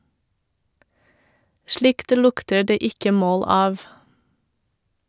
Slikt lukter det ikke mål av.